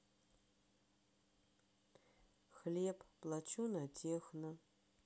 хлеб плачу на техно